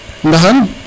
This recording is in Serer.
ndaxar